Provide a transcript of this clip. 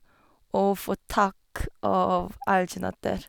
Å få tak av alginater.